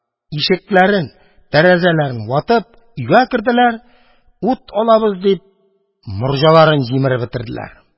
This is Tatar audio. Ишекләрен, тәрәзәләрен ватып, өйгә керделәр, ут алабыз дип, морҗаларын җимереп бетерделәр.